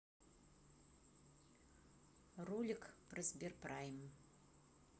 ролик про сберпрайм